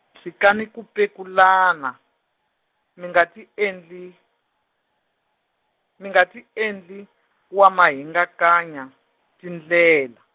tshikani ku pekulana, mi nga tiendli, mi nga tiendli, wamahingakanya, tindlela.